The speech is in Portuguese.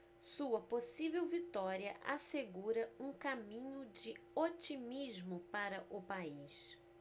sua possível vitória assegura um caminho de otimismo para o país